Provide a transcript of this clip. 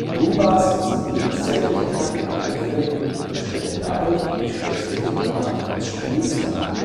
Gumbas sind gegen sämtliche Taktiken anfällig und stellen dadurch die schwächste Gegnerart des Spiels dar